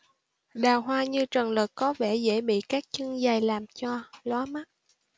đào hoa như trần lực có vẻ dễ bị các chân dài làm cho lóa mắt